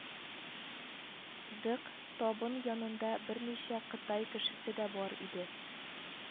Дык, табын янында берничә кытай кешесе дә бар иде